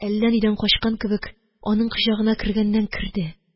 Әллә нидән качкан кебек, аның кочагына кергәннән керде